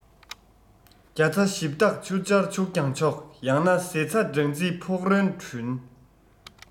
རྒྱ ཚྭ ཞིབ བཏགས ཆུར སྦྱར བྱུགས ཀྱང མཆོག ཡང ན ཟེ ཚྭ སྦྲང རྩི ཕུག རོན བྲུན